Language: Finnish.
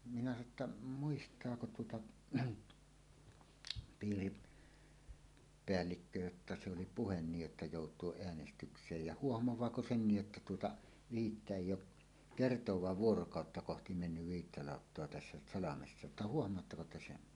minä sanoin että muistaako tuota - piiripäällikkö jotta se oli puhe niin jotta joutua äänestykseen ja huomaako senkin jotta tuota viittä ei ole kertaakaan vuorokautta kohti mennyt viittä lauttaa tässä salmessa että huomaatteko te sen